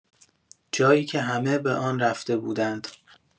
جایی که همه به آن رفته بودند.